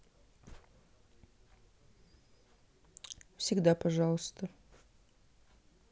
всегда пожалуйста